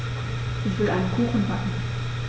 Ich will einen Kuchen backen.